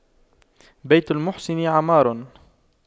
بيت المحسن عمار